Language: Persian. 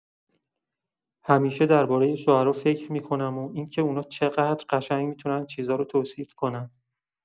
همیشه درباره شعرا فکر می‌کنم و اینکه اونا چقدر قشنگ می‌تونن چیزا رو توصیف کنن.